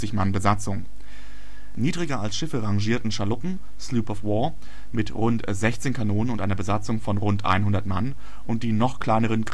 Mann Besatzung. Niedriger als Schiffe rangierten Schaluppen (Sloop of War) mit rund 16 Kanonen und einer Besatzung von rund 100 Mann und die noch kleineren